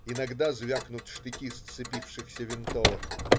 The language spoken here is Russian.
Иногда звякнут штыки сцепившихся винтовок.